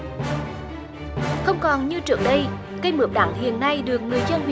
không còn như trước đây cây mướp đắng hiện nay được người